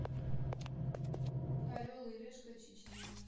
орел и решка чечня